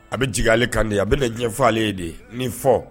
A bɛ jigi ale kan de.A bɛna diɲɛ fɔ ale ye de. Ni fɔ.